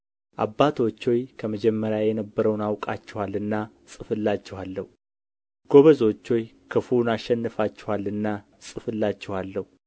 አባቶች ሆይ ከመጀመሪያ የነበረውን አውቃችኋልና እጽፍላችኋለሁ ጎበዞች ሆይ ክፉውን አሸንፋችኋልና እጽፍላችኋለሁ